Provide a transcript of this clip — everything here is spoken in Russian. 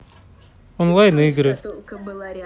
онлайн игры